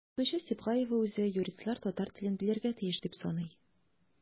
Укытучы Сибгаева үзе юристлар татар телен белергә тиеш дип саный.